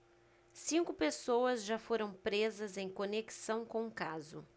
cinco pessoas já foram presas em conexão com o caso